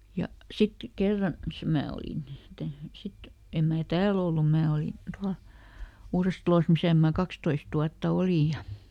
ja sitten kerran - minä olin mitä sitten en minä täällä ollut minä olin tuolla Uudessatalossa missä minä kaksitoista vuotta olin ja